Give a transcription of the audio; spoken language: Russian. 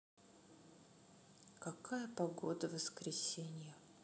какая погода в воскресенье